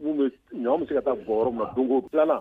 U bɛ ɲɔn bɛ se ka taa bɔ ma don dilan